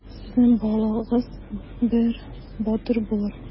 Сезнең балагыз бер батыр булыр.